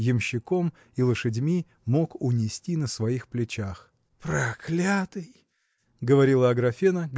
ямщиком и лошадьми мог унести на своих плечах. – Проклятый! – говорила Аграфена